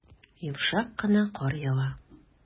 Йомшак кына кар ява.